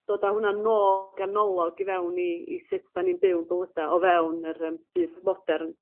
dod a hwnna nôl ganolog i fewn i i sut 'dan ni'n byw bywyda o fewn yr yym byd modern.